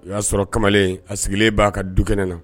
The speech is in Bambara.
O y'a sɔrɔ kamalen in, a sigilen b'a ka du kɛnɛ na.